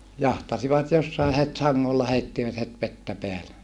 jahtasivat jossakin heti sangolla heittivät heti vettä päälle